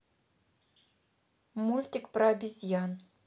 мультик про обезьян